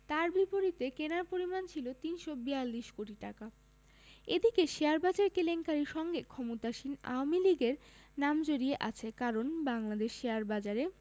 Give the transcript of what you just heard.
তার বিপরীতে কেনার পরিমাণ ছিল ৩৪২ কোটি টাকা এদিকে শেয়ারবাজার কেলেঙ্কারির সঙ্গে ক্ষমতাসীন আওয়ামী লীগের নাম জড়িয়ে আছে কারণ বাংলাদেশ শেয়ারবাজারে